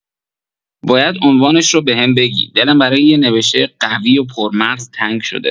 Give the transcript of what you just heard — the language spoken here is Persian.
باید عنوانش رو بهم بگی، دلم برای یه نوشته قوی و پرمغز تنگ شده.